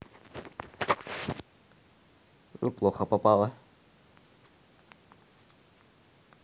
неплохо попала